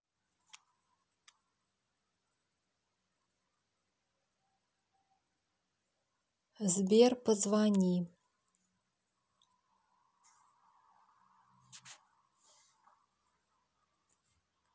сбер позвони